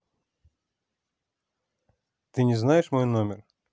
ты не знаешь мой номер